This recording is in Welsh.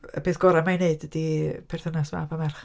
Y peth gorau mae hi'n ei wneud ydy perthynas mab a merch.